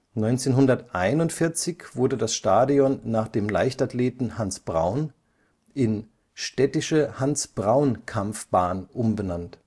1941 wurde das Stadion nach dem Leichtathleten Hanns Braun in Städtische Hanns-Braun-Kampfbahn umbenannt